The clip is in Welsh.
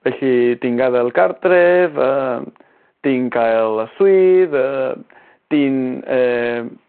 felly ti'n gadael cartref a yym di'n cael y swydd yy di'n yym